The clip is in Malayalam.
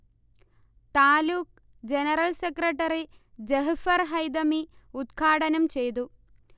താലൂക്ക് ജനറൽ സെക്രട്ടറി ജഅ്ഫർ ഹൈതമി ഉദ്ഘാടനം ചെയ്തു